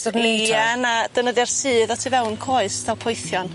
...ia na defnyddio'r sudd o tu fewn coes dail poethion.